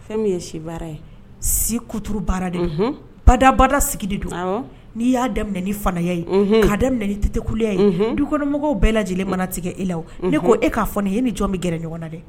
Fɛn min ye si baara ye si ku baara dɛ badabada sigi de don n'i y'a daminɛmin ni fanaya ye ka daminɛli tɛkuluya ye dukɔnɔmɔgɔw bɛɛ lajɛlen mana tigɛ e la ne ko e k'a fɔ ne e ni jɔn bɛ gɛrɛ ɲɔgɔn na dɛ